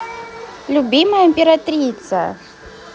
любимая императрица